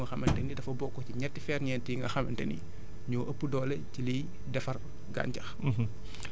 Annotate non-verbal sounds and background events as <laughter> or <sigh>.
muy ferñeent bu nga xamante <noise> ni dafa bokk ci ñetti ferñeent yi nga xamante ni ñoo ëpp doole ci liy defar gàncax